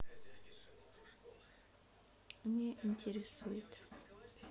не интересует